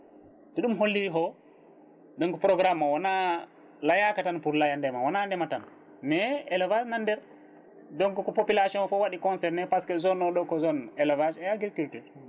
ko ɗum holliri ko ɗonc programme o wona layaka tan pour laya ndeema wona ndeema tan mais élevage nan nder donc ko population o foof waɗi concerné par ce que zone oɗo ko zone élevage et agriculture